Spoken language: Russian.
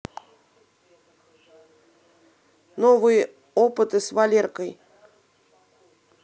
новые опыты с валеркой